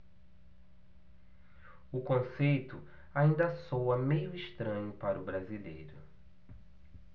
o conceito ainda soa meio estranho para o brasileiro